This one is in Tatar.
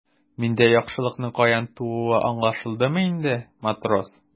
Миндә яхшылыкның каян тууы аңлашылдымы инде, матрос?